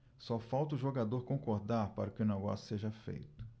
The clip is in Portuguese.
só falta o jogador concordar para que o negócio seja feito